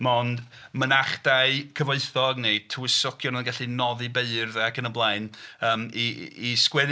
Mond mynachdai cyfoethog neu tywysogion oedd yn gallu noddi beirdd ac yn y blaen yym i i i sgwennu.